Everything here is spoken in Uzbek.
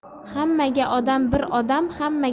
hamma odam bir odam